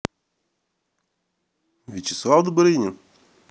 вячеслав добрынин